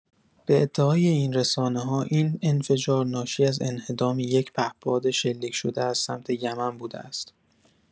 به ادعای این رسانه‌ها، این انفجار ناشی از انهدام یک پهپاد شلیک‌شده از سمت یمن بوده است.